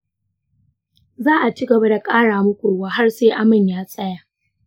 za'a ci gaba da kara maku ruwa har sai aman ya tsaya.